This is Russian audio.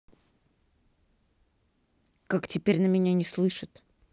как теперь на меня не слышит